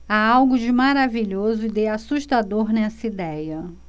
há algo de maravilhoso e de assustador nessa idéia